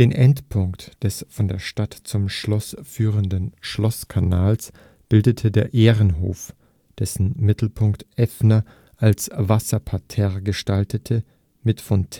Endpunkt des von der Stadt zum Schloss führenden Schlosskanals bildet der Ehrenhof, dessen Mittelpunkt Effner als Wasserparterre gestaltete, mit Fontäne